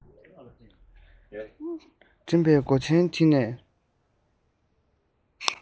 འགྲིམས པའི སྒོ ཆེན འདི ནས